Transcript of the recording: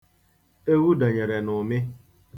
Ewu danyere n'ụmị.